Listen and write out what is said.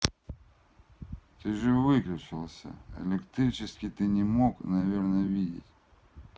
ты же выключился электрический ты не мог наверное видеть